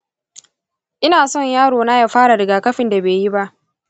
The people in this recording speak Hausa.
ina son yarona ya fara rigakafin da be yi ba.